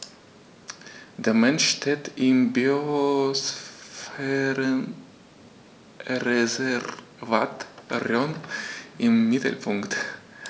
Der Mensch steht im Biosphärenreservat Rhön im Mittelpunkt.